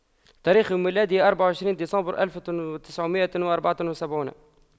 تاريخ ميلاده أربعة وعشرين ديسمبر ألف وتسعمئة وأربعة وسبعون